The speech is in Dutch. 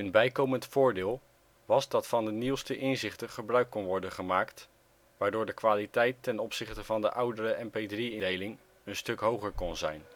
bijkomend voordeel was daarbij dat natuurlijk ook van de nieuwste inzichten gebruik kon worden gemaakt, waardoor de kwaliteit ten opzichte van het oudere MP3 formaat een stuk hoger kon zijn